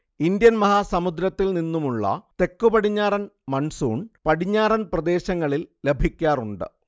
Indian മഹാസമുദ്രത്തിൽനിന്നുമുള്ള തെക്കുപടിഞ്ഞാറൻ monsoon പടിഞ്ഞാറൻ പ്രദേശങ്ങളിൽ ലഭിക്കാറുണ്ട്